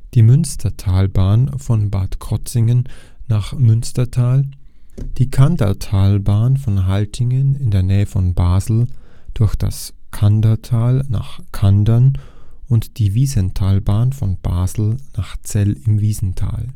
die Münstertalbahn von Bad Krozingen nach Münstertal, die Kandertalbahn von Haltingen in der Nähe von Basel durch das Kandertal nach Kandern und die Wiesentalbahn von Basel nach Zell im Wiesental